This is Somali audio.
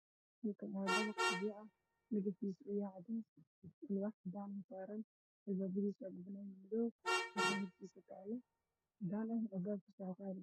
Halkaan waxaa ka muuqdo dabaq qabyo ah